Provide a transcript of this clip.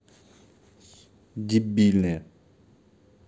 дебильные